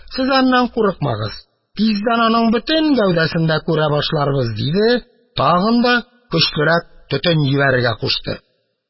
Сез аннан курыкмагыз, тиздән аның бөтен гәүдәсен дә күрә башларбыз, – диде, тагын да көчлерәк төтен җибәрергә кушты.